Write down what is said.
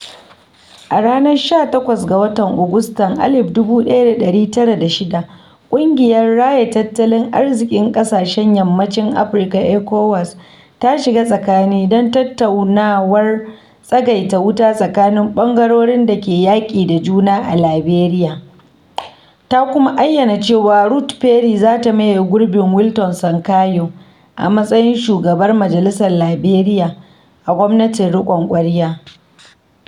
A ranar 18 ga Agustan 1996, Ƙungiyar Raya Tattalin Arziƙin Ƙasashen Yammacin Afirka (ECOWAS) ta shiga tsakani don tattaunawar tsagaita wuta tsakanin ɓangarorin da ke yaƙi da juna a Liberia, ta kuma ayyana cewa Ruth Perry za ta maye gurbin Wilton Sankawulo a matsayin Shugabar Majalisar Liberia a gwamnatin riƙon ƙwarya.